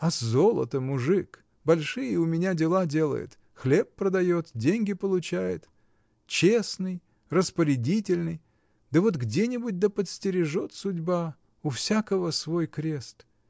А золото-мужик, большие у меня дела делает: хлеб продает, деньги получает, — честный, распорядительный: да вот где-нибудь да подстережет судьба! У всякого свой крест!